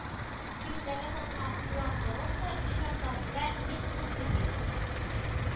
Кибетләрдә сатылган куаклы розалар өй шартларында ник кул бирми